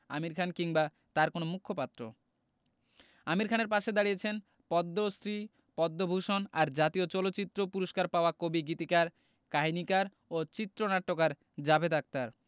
আমির খান কিংবা তাঁর কোনো মুখ্যপাত্র আমির খানের পাশে দাঁড়িয়েছেন পদ্মশ্রী পদ্মভূষণ আর জাতীয় চলচ্চিত্র পুরস্কার পাওয়া কবি গীতিকার কাহিনিকার ও চিত্রনাট্যকার জাভেদ আখতার